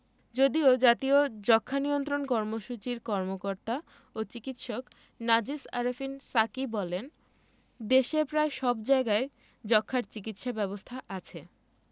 যদিও জাতীয় যক্ষ্মা নিয়ন্ত্রণ কর্মসূচির কর্মকর্তা ও চিকিৎসক নাজিস আরেফিন সাকী বলেন দেশের প্রায় সব জায়গায় যক্ষ্মার চিকিৎসা ব্যবস্থা আছে